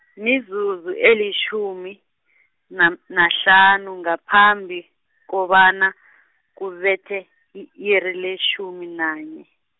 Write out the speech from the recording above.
mizuzu, elitjhumi, nam, nahlanu, ngaphambi, kobana, kubethe, i-iri letjhumi nanye.